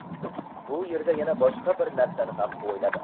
bu yerda yana boshqa bir narsani ham o'yladim